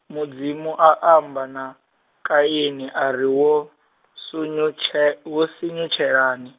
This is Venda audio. Mudzimu a amba na, Kaini ari wo , sunyutshe- wo sunyutshelani?